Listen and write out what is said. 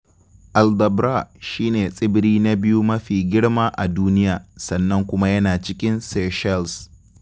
Aldabra shi ne tsibiri na biyu mafi girma a duniya sannan kuma yana cikin Seychelles.